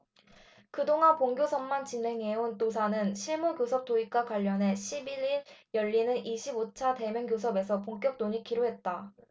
그 동안 본교섭만 진행해온 노사는 실무교섭 도입과 관련해 십 일 일 열리는 이십 오 차 대면교섭에서 본격 논의키로 했다